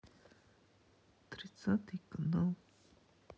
тридцатый канал